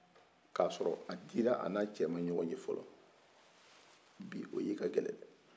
ka sɔrɔ a dira a n'a cɛ ma ɲɔgɔn ye fɔlɔ bi o ye ka gɛlɛn